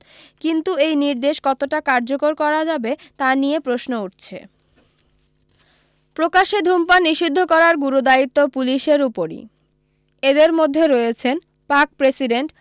কিন্তু এই নির্দেশ কতটা কার্যকর করা যাবে তা নিয়ে প্রশ্ন উঠছে প্রকাশ্যে ধূমপান নিষিদ্ধ করার গুরুদায়িত্ব পুলিশের উপরেই এদের মধ্যে রয়েছেন পাক প্রেসিডেন্ট